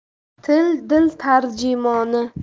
til dil tarjimoni